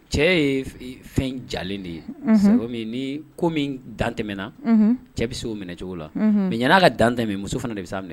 Cɛ ye fɛn jalen de ye sɛ ni ko min dantɛɛna cɛ bɛ se o minɛ cogo la mɛ ɲɛna' ka dantɛ min muso fana de bɛ sa